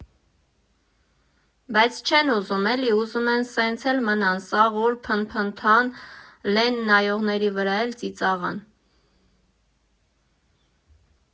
Բայց չեն ուզում էլի, ուզում են սենց էլ մնան, սաղ օր փնթփնթան, լեն նայողների վրա էլ ծիծաղան։